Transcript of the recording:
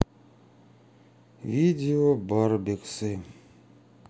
видео барбексы